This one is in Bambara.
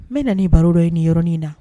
N bɛ na ni baro dɔ i niɔrɔnin na